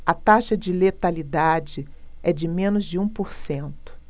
a taxa de letalidade é de menos de um por cento